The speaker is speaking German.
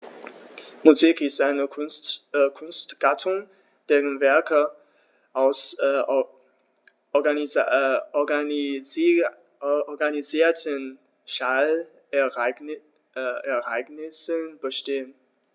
Musik ist eine Kunstgattung, deren Werke aus organisierten Schallereignissen bestehen.